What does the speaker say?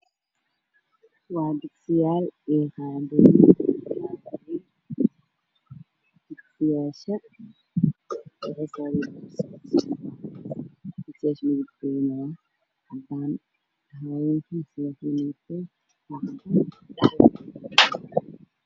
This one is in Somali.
Waa digsiyaal iyo qaandooyin iyo baaquli digsiyaaasha waxay saaran yihiin kursi kursigana waa cadaan digsiyaasha midabkoodu waa cadaan